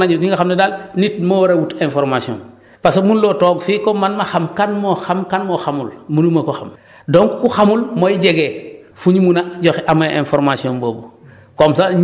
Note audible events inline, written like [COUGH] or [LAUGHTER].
léegi fu mu nekk nii toog nañu li nga xam ni daal nit moo war a wut information [BREATH] parce que mënuloo toog fii comme man ma xam kan moo xam kan moo xamul mënu ma ko xam [BREATH] donc ku xamul mooy jege fu ñu mun a joxe amee information boobu